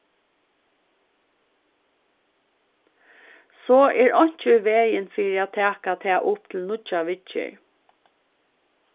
so er einki í vegin fyri at taka tað upp til nýggja viðgerð